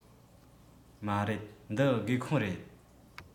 མ རེད འདི སྒེའུ ཁུང རེད